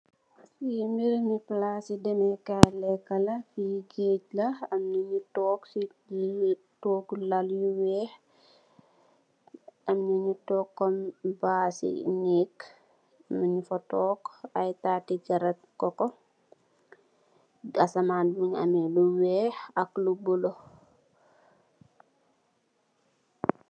Li barabi palasi demèè kay lekka la, fi gaaj la, am na ñu tóóg ci kaw lal yu wèèx, am na ñu tóóg ci kom bassi nèk am na ñu fa tóóg. Ay tatti garap bi koko asman bi mugii ameh lu wèèx ak lu bula.